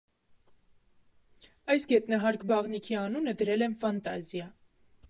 Այս գետնահարկ բաղնիքի անունը դրել են «Ֆանտազիա»։